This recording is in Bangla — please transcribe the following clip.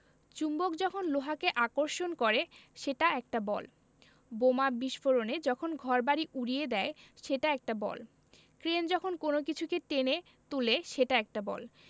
চুম্বক যখন লোহাকে আকর্ষণ করে সেটা একটা বল বোমা বিস্ফোরণে যখন ঘরবাড়ি উড়িয়ে দেয় সেটা একটা বল ক্রেন যখন কোনো কিছুকে টেনে তুলে সেটা একটা বল